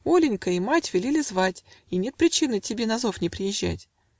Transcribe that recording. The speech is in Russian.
Оленька и мать Велели звать, и нет причины Тебе на зов не приезжать.